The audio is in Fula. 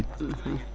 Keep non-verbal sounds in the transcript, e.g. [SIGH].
[HESITATION] [HESITATION]